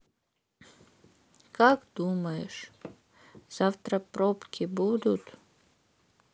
как думаешь завтра пробки будут